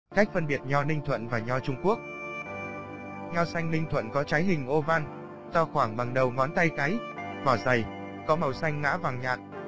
cách phân biệt nho ninh thuận và nho trung quốc nho xanh ninh thuận có trái hình oval to khoảng bằng đầu ngón tay cái vỏ dày có màu xanh ngã vàng nhạt